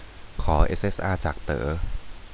ขอเอสเอสอาจากเต๋อ